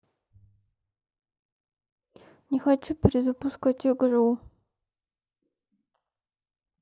не хочу перезапускать игру